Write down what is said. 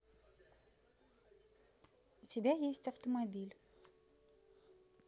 у тебя есть автомобиль